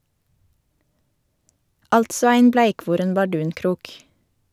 Altså ein bleikvoren bardunkrok.